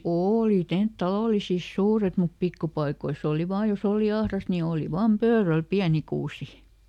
oli - talollisissa suuret mutta pikkupaikoissa oli vain jos oli ahdasta niin oli vain pöydällä pieni kuusi